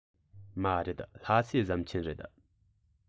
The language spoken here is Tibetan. མ རེད ལྷ སའི ཟམ ཆེན རེད